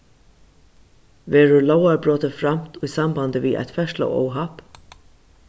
verður lógarbrotið framt í sambandi við eitt ferðsluóhapp